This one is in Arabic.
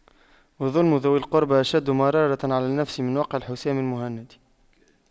وَظُلْمُ ذوي القربى أشد مرارة على النفس من وقع الحسام المهند